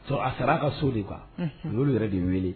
Ɔ a sara a ka so de kan u y'olu yɛrɛ de wele